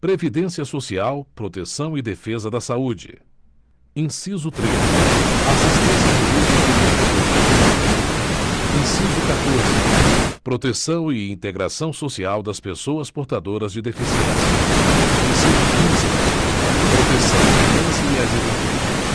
previdência social proteção e defesa da saúde inciso treze assistência jurídica e defensoria pública inciso catorze proteção e integração social das pessoas portadoras de deficiência inciso quinze proteção à infância e à juventude